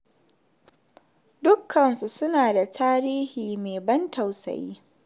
Dukkansu su na da tarihi mai ban tausayi.